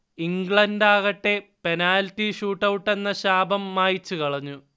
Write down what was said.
ഇംഗ്ലണ്ടാകട്ടെ penalty ഷൂട്ടൗട്ടെന്ന ശാപം മായ്ച്ചു കളഞ്ഞു